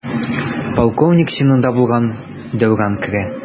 Полковник чинында булган Дәүран керә.